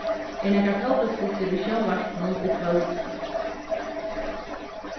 er nakar fótbóltsdystur í sjónvarpinum í kvøld